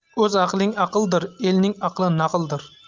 o'z aqling aqldir elning aqli naqldir